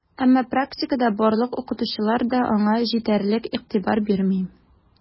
Әмма практикада барлык укытучылар да аңа җитәрлек игътибар бирми: